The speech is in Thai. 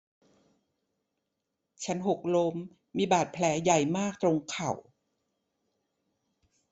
ฉันหกล้มมีบาดแผลใหญ่มากตรงเข่า